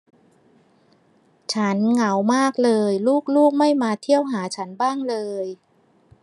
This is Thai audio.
ฉันเหงามากเลยลูกลูกไม่มาเที่ยวหาฉันบ้างเลย